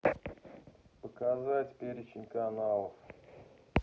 показать перечень каналов